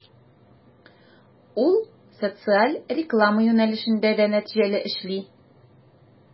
Ул социаль реклама юнәлешендә дә нәтиҗәле эшли.